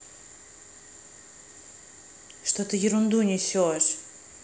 что ты ерунду несешь